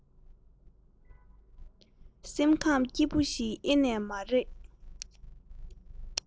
སེམས ཁམས སྐྱིད པོ ཞིག ཡེ ནས མ རེད